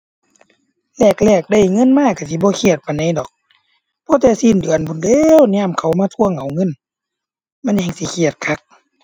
แรกแรกได้เงินมาก็สิบ่เครียดปานใดดอก พอแต่สิ้นเดือนพู้นแหล้ว ยามเขามาทวงเอาเงินมันแฮ่งสิเครียดคัก